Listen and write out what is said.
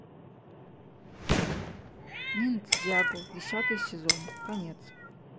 ниндзяго десятый сезон конец